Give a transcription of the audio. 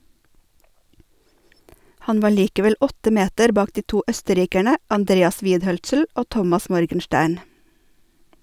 Han var likevel åtte meter bak de to østerrikerne Andreas Widhölzl og Thomas Morgenstern.